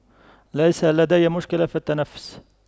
ليس لدي مشكلة في التنفس